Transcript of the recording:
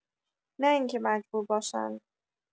نه اینکه مجبور باشند